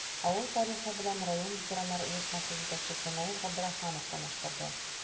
Авыл тарихы белән район ветераннар оешмасы җитәкчесе Наил Габдрахманов таныштырды.